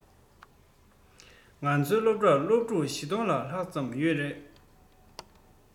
ང ཚོའི སློབ གྲྭར སློབ ཕྲུག ༤༠༠༠ ལྷག ཙམ ཡོད རེད